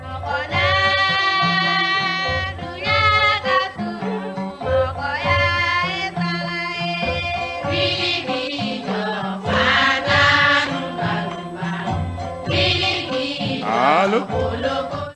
Mɔgo tile jigin yo jigin